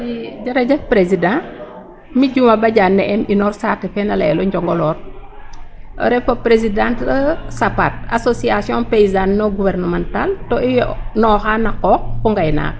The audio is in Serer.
II jerejef président mi' Diouma Badiane ne'eem inoor saate fe na layel o Njongoloor ref o présidente SPAT association paysane non gouvernementale to o yo'nooxa na qooq fo ngaynaak.